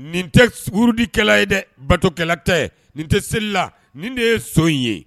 Nin tɛ wurudikɛla ye dɛ, batokɛla tɛ nin tɛ seli la nin de ye nso in ye.